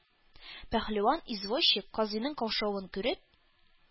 Пәһлеван извозчик, казыйның каушавын күреп,